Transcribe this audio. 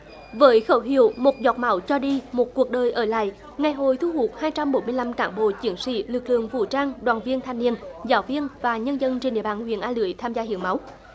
với khẩu hiệu một giọt máu cho đi một cuộc đời ở lại ngày hội thu hút hai trăm bốn mươi lăm cán bộ chiến sĩ lực lượng vũ trang đoàn viên thanh niên giáo viên và nhân dân trên địa bàn huyện a lưới tham gia hiến máu